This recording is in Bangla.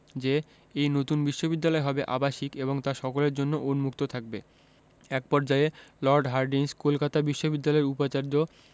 যে এ নতুন বিশ্ববিদ্যালয় হবে আবাসিক এবং তা সকলের জন্য উন্মুক্ত থাকবে এক পর্যায়ে লর্ড হার্ডিঞ্জ কলকাতা বিশ্ববিদ্যালয়ের উপাচার্য